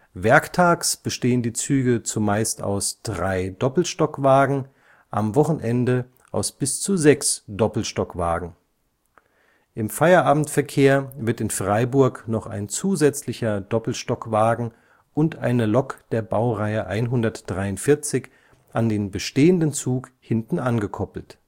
Werktags bestehen die Züge zumeist aus drei Doppelstockwagen, am Wochenende aus bis zu sechs Doppelstockwagen. Im Feierabendverkehr wird in Freiburg noch ein zusätzlicher Doppelstockwagen und eine Lok der Baureihe 143 an den bestehenden Zug hinten angekoppelt